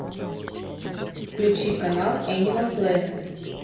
включи канал энимал плэнет